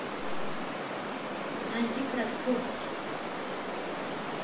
найди кроссовки